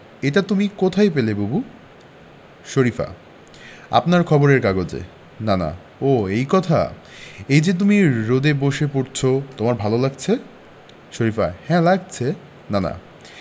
এটা তুমি কোথায় পেলে বুবু শরিফা আপনার খবরের কাগজে নানা ও এই কথা এই যে তুমি রোদে বসে পড়ছ তোমার ভালো লাগছে শরিফা হ্যাঁ লাগছে নানা